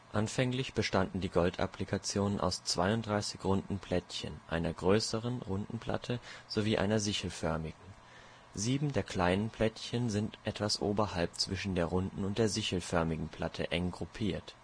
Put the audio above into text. Anfänglich bestanden die Goldapplikationen aus 32 runden Plättchen, einer größeren, runden Platte sowie einer sichelförmigen. Sieben der kleinen Plättchen sind etwas oberhalb zwischen der runden und der sichelförmigen Platte eng gruppiert